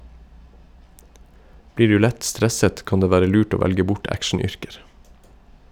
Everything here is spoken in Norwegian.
Blir du lett stresset, kan det være lurt å velge bort actionyrker.